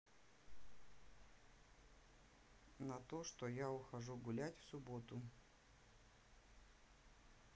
на то что я ухожу гулять в субботу